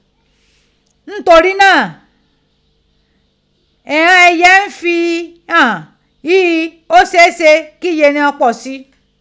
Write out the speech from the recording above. Ntorí náà, ighann ẹyẹ ń fi hàn ghi ó ṣeé ṣe kí iye righan pọ̀ sí i.